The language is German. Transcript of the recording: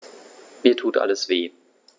Mir tut alles weh.